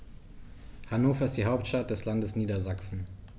Hannover ist die Hauptstadt des Landes Niedersachsen.